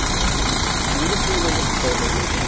virusning o'zi xitoyda lekin